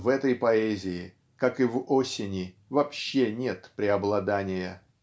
В этой поэзии, как и в осени, вообще нет преобладания.